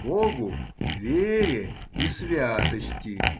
богу, вере и святости.